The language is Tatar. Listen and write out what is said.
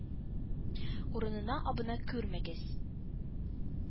Урынына абына күрмәгез.